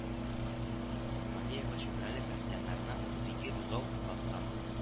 Ванеева Чүпрәле крестьяннарына утыз ике бозау саткан